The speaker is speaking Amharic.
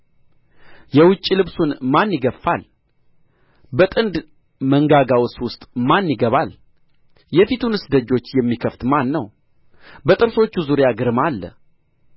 የውጪ ልብሱን ማን ይገፋል በጥንድ መንጋጋውስ ውስጥ ማን ይገባል የፊቱንስ ደጆች የሚከፍት ማን ነው በጥርሶቹ ዙሪያ ግርማ አለ